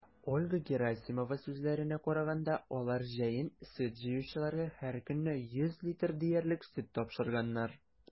Ольга Герасимова сүзләренә караганда, алар җәен сөт җыючыларга һәркөнне 100 литр диярлек сөт тапшырганнар.